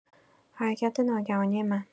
حرکت ناگهانی من